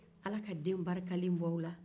ala ka den barikalen bɔ aw la